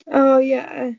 O ie.